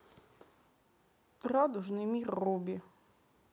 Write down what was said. радужный мир руби